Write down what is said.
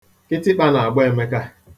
Kịtịkpa na-agba Emeka.